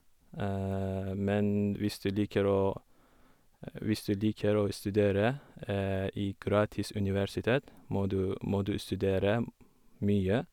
Men hvis du liker å hvis du liker å studere i gratis universitet, må du må du studere m mye.